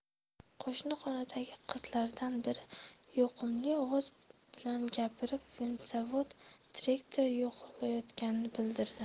qo'shni xonadagi qizlardan biri yoqimli ovozi bilan gapirib vinzavod direktori yo'qlayotganini bildirdi